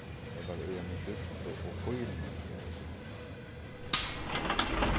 eg var í eini skjúrtu og fínum skóm